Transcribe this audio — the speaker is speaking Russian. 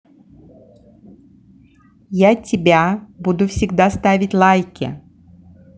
я тебя буду всегда ставить лайки